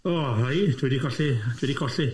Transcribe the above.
O 'na hi. Dwi 'di colli'i, dwi 'di colli'i!